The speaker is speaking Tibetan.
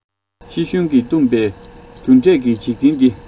ཕྱི ཤུན གྱིས བཏུམ པའི རྒྱུ འབྲས ཀྱི འཇིག རྟེན འདི